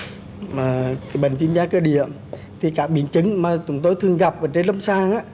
mà cái bệnh viêm da cơ địa thì các biến chứng mà chúng tôi thường gặp ở trên lâm sàng á